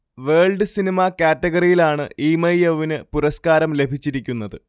world cinema കാറ്റഗറിയിലാണ് ഈമയൗവിന് പുരസ്കാരം ലഭിച്ചിരിക്കുന്നത്